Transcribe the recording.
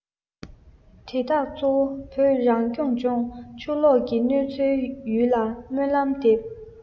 དེ དག གཙོ བོ བོད རང སྐྱོང ལྗོངས ཆུ ལོག གི གནོད འཚེའི ཡུལ ལ སྨོན ལམ འདེབས